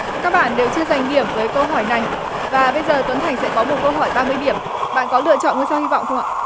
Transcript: các bạn đều chưa giành điểm với câu hỏi này và bây giờ tuấn thành sẽ có một câu hỏi ba mươi điểm bạn có lựa chọn ngôi sao hy vọng không ạ